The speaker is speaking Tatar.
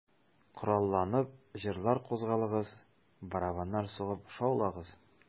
Коралланып, җырлар, кузгалыгыз, Барабаннар сугып шаулагыз...